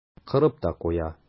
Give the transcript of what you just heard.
Корып та куя.